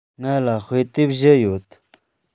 ང ལ དཔེ དེབ བཞི ཡོད